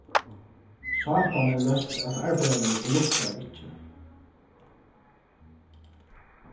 sápan er løtt at arbeiða við og luktar ikki